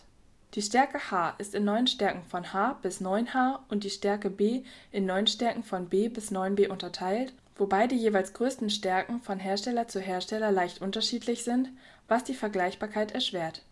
Die Stärke H ist in neun Stärken von H bis 9H und die Stärke B in neun Stärken von B bis 9B unterteilt, wobei die jeweils größten Stärken von Hersteller zu Hersteller leicht unterschiedlich sind, was die Vergleichbarkeit erschwert